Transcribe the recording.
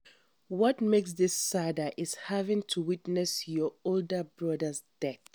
What makes this sadder is having to witness your older brother's death.